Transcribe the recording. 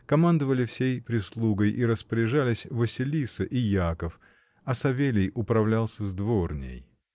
Командовали всей прислугой и распоряжались Василиса и Яков, а Савелий управлялся с дворней.